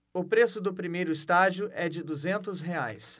o preço do primeiro estágio é de duzentos reais